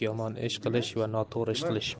yomon ish qilish va noto'g'ri ish qilish